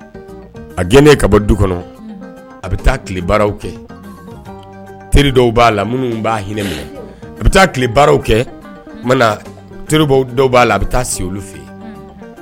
A gnen ka bɔ du kɔnɔ a bɛ taa tile baaraw kɛ teri dɔw b'a la minnu b'a hinɛ minɛ a bɛ taa tile baaraw kɛ teri dɔw b'a la a bɛ taa se olu fɛ